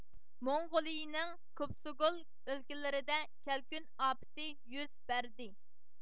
موڭغۇلىيىنىڭ كۇبسۇگۇل ئۆلكىلىرىدە كەلكۈن ئاپىتى يۈز بەردى